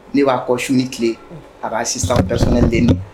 Ne b'a kɔsuni tile a b'a sisan kas deni